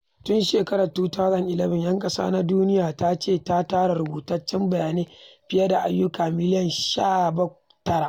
Tun shekarar 2011, 'Yan Ƙasa na Duniyar ta ce ta tara rubutattun bayanai fiye da "ayyuka" miliyan 19 daga masu goyon bayanta, tana mai tura abubuwan da ke son cimmawa daban-daban.